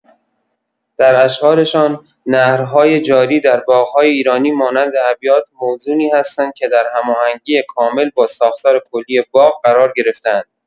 در اشعارشان، نهرهای جاری در باغ‌های ایرانی مانند ابیات موزونی هستند که در هماهنگی کامل با ساختار کلی باغ قرار گرفته‌اند.